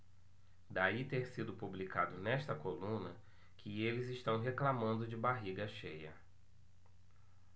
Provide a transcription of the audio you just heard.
daí ter sido publicado nesta coluna que eles reclamando de barriga cheia